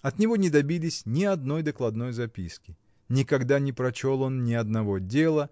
От него не добились ни одной докладной записки, никогда не прочел он ни одного дела,